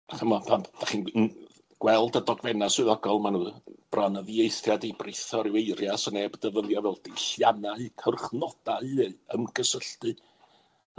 A ch'mo', pan 'dach chi'n n- gweld y dogfenna' swyddogol, ma' nw bron yn ddieithriad 'di britho ryw eiria' so neb yn defnyddio nw fel dulliannau cyrchnodau i ymgysylltu.